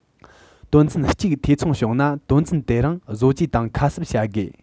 དོན ཚན གཅིག འཐུས ཚང བྱུང ན དོན ཚན དེ རང བཟོ བཅོས དང ཁ གསབ བྱ དགོས